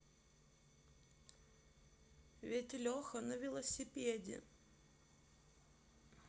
ведь леха на велосипеде